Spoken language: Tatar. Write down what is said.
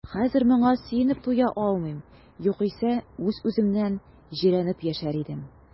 Хәзер моңа сөенеп туя алмыйм, югыйсә үз-үземнән җирәнеп яшәр идем.